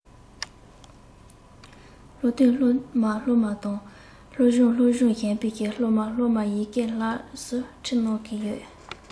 སློབ ཐོན སློབ མ སློབ མ དང སློབ སྦྱོང སློབ སྦྱོང ཞན པའི སློབ མ སློབ མར ཡི གེ བསླབ ཟུར ཁྲིད གནང གི ཡོད